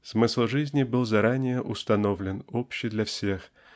Смысл жизни был заранее установлен общий для всех